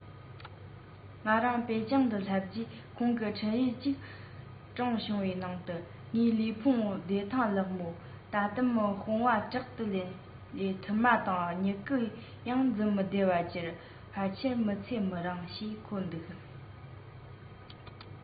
ང རང པེ ཅིང དུ སླེབས རྗེས ཁོང གི འཕྲིན ཡིག ཅིག སྤྲིངས བྱུང བའི ནང དུ ངའི ལུས ཕུང བདེ ཐང ལགས མོད ད ལམ དཔུང པ དྲག ཏུ ན བས ཐུར མ དང སྨུ གུ ཡང འཛིན མི བདེ བར གྱུར ཕལ ཆེར མི ཚེ མི རིང ཞེས འཁོད འདུག